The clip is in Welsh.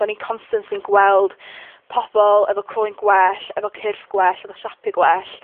'Dan ni constantly'n gweld pobol efo croen gwell, efo cyrff gwell, efo siapie gwell.